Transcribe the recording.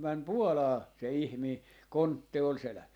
meni Puolaan se ihminen kontti oli selässä